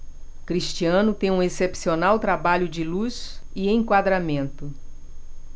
cristiano tem um excepcional trabalho de luz e enquadramento